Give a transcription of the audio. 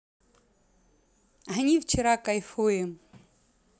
они вчера кайфуем